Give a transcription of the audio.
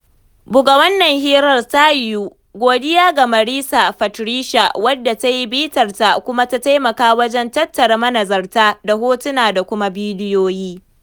Buga wannan hirar ta yiwu, godiya ga Marisa Petricca, wadda ta yi bitar ta kuma ta taimaka wajen tattara manazarta da hotuna da kuma bidiyoyi.